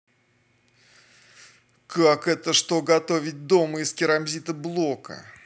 как это что готовить дома из керамзита блока